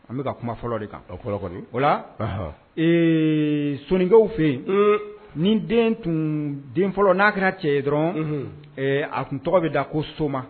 An bɛka ka kuma fɔlɔ de kan fɔlɔ o la sokaw fɛ yen ni den tun den fɔlɔ n'a kɛra cɛ ye dɔrɔn a tun tɔgɔ bɛ da ko soma